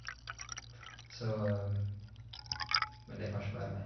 så Men det er kanskje bare meg.